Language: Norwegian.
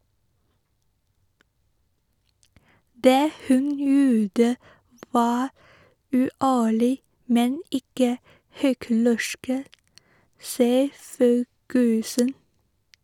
Det hun gjorde var uærlig, men ikke hyklersk, sier Ferguson.